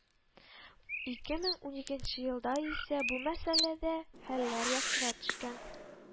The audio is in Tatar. Ике мең уникенче елда исә бу мәсьәләдә хәлләр яхшыра төшкән